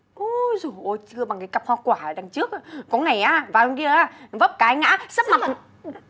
ôi dồi ôi chưa bằng cái cặp hoa quả ở đằng trước á có ngày á vào trong kia á vấp cái ngã sấp mặt